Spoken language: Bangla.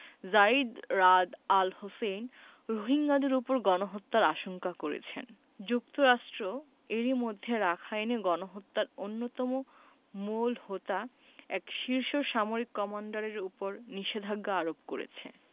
যায়িদ রাদ আল হোসেইন রোহিঙ্গাদের ওপর গণহত্যার আশঙ্কা করেছেন যুক্তরাষ্ট্র এরই মধ্যে রাখাইনে গণহত্যার অন্যতম মূল হোতা এক শীর্ষ সামরিক কমান্ডারের ওপর নিষেধাজ্ঞা আরোপ করেছে